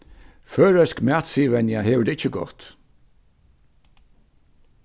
føroysk matsiðvenja hevur tað ikki gott